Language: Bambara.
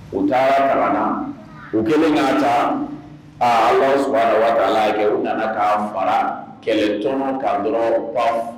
U taara ta kana, u kɛlen ka ta, aa Allahou Soubhana wa ta Alaa y'a kɛ o nana ka fara kɛlɛtɔnɔ kan dɔrɔn pafu